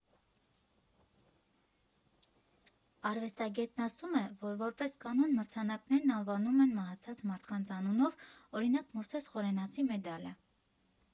Արվեստագետն ասում է, որ, որպես կանոն, մրցանակներն անվանում են մահացած մարդկանց անունով, օրինակ՝ Մովսես Խորենացի մեդալը։